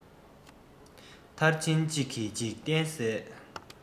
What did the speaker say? མཐར ཕྱིན གཅིག གིས འཇིག རྟེན གསལ